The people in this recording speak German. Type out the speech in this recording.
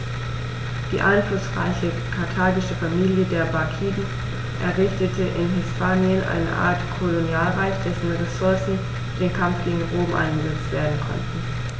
Die einflussreiche karthagische Familie der Barkiden errichtete in Hispanien eine Art Kolonialreich, dessen Ressourcen für den Kampf gegen Rom eingesetzt werden konnten.